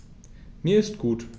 Mir ist gut.